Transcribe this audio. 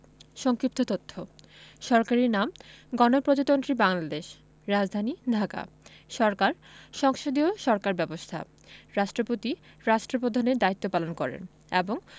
সংক্ষিপ্ত তথ্য সরকারি নামঃ গণপ্রজাতন্ত্রী বাংলাদেশ রাজধানীঃ ঢাকা সরকারঃ সংসদীয় সরকার ব্যবস্থা রাষ্ট্রপতি রাষ্ট্রপ্রধানের দায়িত্ব পালন করেন এবং